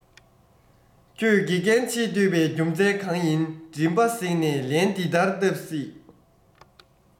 ཁྱོད དགེ རྒན བྱེད འདོད པའི རྒྱུ མཚན གང ཡིན མགྲིན པ གཟེངས ནས ལན འདི ལྟར བཏབ སྲིད དེ